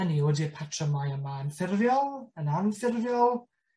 Hynny yw odi'r patrymau yma yn ffurfiol? Yn anffurfiol?